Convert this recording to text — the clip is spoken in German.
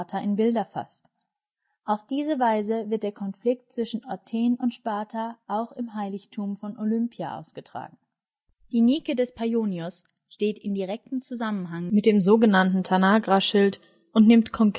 diese Weise wird der Konflikt zwischen Athen und Sparta auch im Heiligtum von Olympia ausgetragen. Die Nike des Paionios steht in direktem Zusammenhang mit dem so genannten Tanagra-Schild und nimmt konkret Bezug auf das Anathem